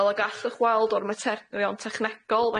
Fel y gallwch weld o'r materion technegol